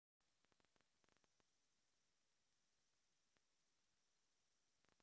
девчонка со двора хабиб